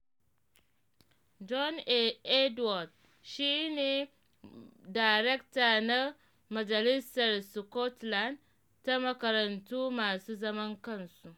John Edward shi ne Darekta na Majalisar Scotland ta Makarantu Masu Zaman Kansu